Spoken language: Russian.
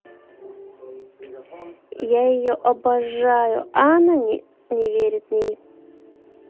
я ее обожаю она не верит ней